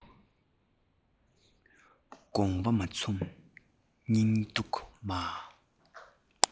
དགོངས པ མ ཚོམས སྙིང སྡུག མ